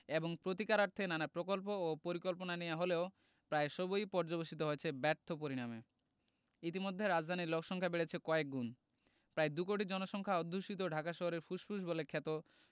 এবং প্রতিকারার্থে নানা প্রকল্প ও পরিকল্পনা নেয়া হলেও প্রায় সবই পর্যবসিত হয়েছে ব্যর্থ পরিণামে ইতোমধ্যে রাজধানীর লোকসংখ্যা বেড়েছে কয়েকগুণ প্রায় দুকোটি জনসংখ্যা অধ্যুষিত ঢাকা শহরের ফুসফুস বলে খ্যাত